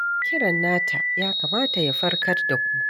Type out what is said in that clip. Kiran nata ya kamata ya farkar da ku!